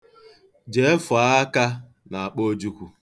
Jee, fọọ aka n'akpa Ojukwu.